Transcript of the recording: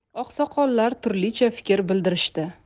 oqsoqollar turlicha fikr bildirishdi